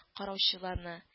Караучыларны